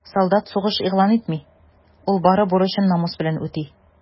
Солдат сугыш игълан итми, ул бары бурычын намус белән үти.